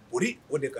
Boli o de kan